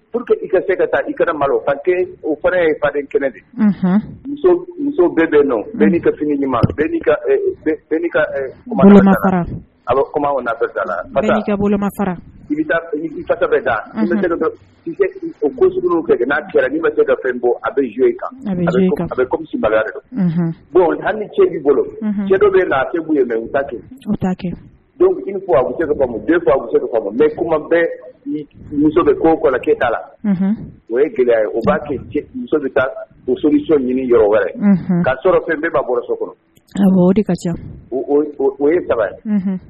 P que i ka se ka taa i kɛra malo o o fana ye faden kɛnɛ de muso bɛɛ bɛ' ka fini ɲuman a bɛ i ko kɛ n'a kɛra'i ma se ka fɛn bɔ a bɛ zo kan a bɛ balire bon hali ni cɛ'i bolo cɛ dɔ bɛ na ye mɛ kɛ a bɛ se ka den bɛ se mɛ kuma muso bɛ ko kɔnɔ ke ta la o ye gɛlɛya o b'a muso bɛ taa soso ɲini yɔrɔ wɛrɛ ka sɔrɔ fɛn bɛɛ ba bɔ so kɔnɔ ca o ye saba ye